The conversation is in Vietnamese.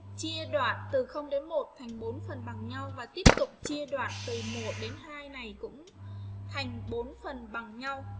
chia đoạn từ đến thành phần bằng nhau và tiếp tục chia đoạn từ đến này cũng thành bốn phần bằng nhau